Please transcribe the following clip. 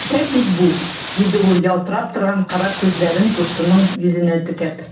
Бик шәп бит бу! - диде ул, ялтырап торган кара күзләрен дустының йөзенә текәп.